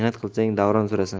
mehnat qilsang davron surasan